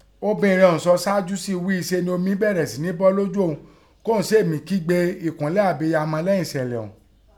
Obìrin ọ̀hún sọ síájú sii ghíi se ni omi bẹ̀rẹ̀ sí ní bọ́ lójú un kí òun sèè mí kígbe ẹ̀kúnlẹ̀ abiyamọ lêyìn ẹ̀ṣẹ̀lẹ̀ ọ̀ún.